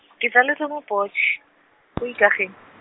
ke tsaletswe mo Potch, ko Ikageng.